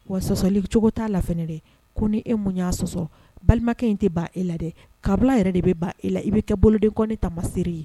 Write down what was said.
Wa sɔsɔli cogo t'a la fɛnɛ dɛ ko ni e mun y'a sɔsɔ balimakɛ in tɛ ban e la dɛ kabila yɛrɛ de bɛ ban e la i bɛ kɛ bolodenkɔni ne taamaseere ye